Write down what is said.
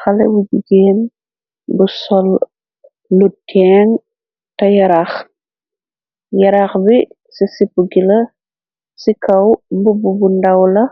Xale wu jigéen bu sol lutieng te yaraax. Yaraax bi ci sipu gila ci kaw mbubb bu ndaw la